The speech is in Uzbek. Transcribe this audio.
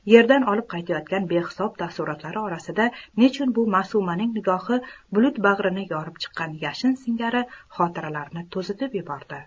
yerdan olib qaytayotgan behisob taassurotlari orasida nechun bu ma'sumaning nigohi bulut bag'rini yorib chiqqan yashin singari xotiralarini to'zitib yubordi